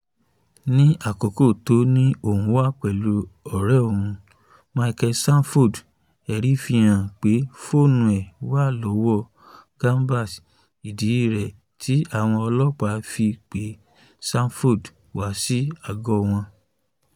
Ní àkókò tó ní òun wà pẹ̀lú ọ̀rẹ́ òun, Michael Sanford, ẹ̀rí fi hàn pé fóònù ẹ̀ wà lọ́wọ́ Chambers. Ìdí rèé tí àwọn ọlọ́pàá fi pe Sanford wá sí àágọ wọn.